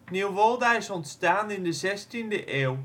Nieuwolda is ontstaan in de zestiende eeuw